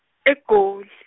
Egoli.